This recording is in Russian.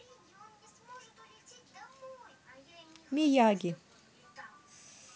miyagi